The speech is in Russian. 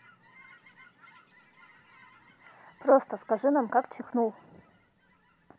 просто скажи нам как чихнул